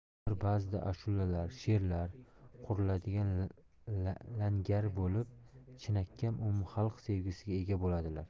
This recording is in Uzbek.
ular ba'zida ashulalar va she'rlar quriladigan langar bo'lib chinakam umumxalq sevgisiga ega bo'ladilar